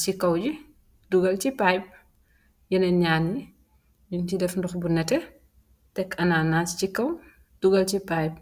si pipe benen bi nete tek si pipe.